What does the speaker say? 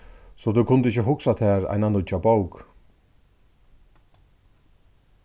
so tú kundi ikki hugsað tær eina nýggja bók